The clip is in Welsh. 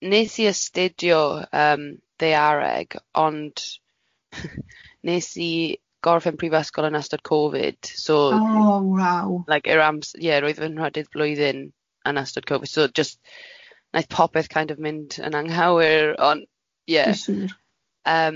Wnes i astudio yym daeareg, ond wnes i gorffen Prifysgol yn ystod Covid, so... Oh wow. ...like, yr ams- ie, roedd fy nhrydydd flwyddyn yn ystod Covid, so jyst wnaeth popeth kind of mynd yn anghywir, ond ie... Dwi'n siŵr. ...ymm